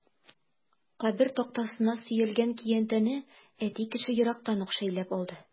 Кабер тактасына сөялгән көянтәне әти кеше ерактан ук шәйләп алды.